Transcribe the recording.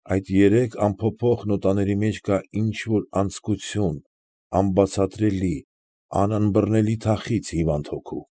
Այդ երեք անփոփոխ նոտաների մեջ կա ինչ֊որ անձկություն, անբացատրելի, անըմբռնելի թախիծ հիվանդ հոգու։